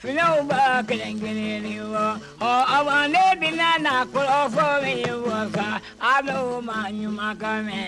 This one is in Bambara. Filawba kelen kelen bɔ ɔ maden bɛ na nafolo min a ma ɲumanga mɛn